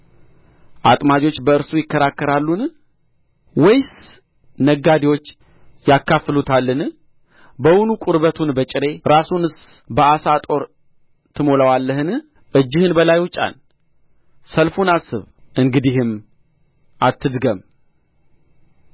አጥማጆች በእርሱ ይከራከራሉን ወይስ ነጋዴዎች ያካፍሉታልን በውኑ ቁርበቱን በጭሬ ራሱንስ በዓሣ ጦር ትሞላዋለህን እጅህን በላዩ ጫን ሰልፉን አስብ እንግዲህም አትድገም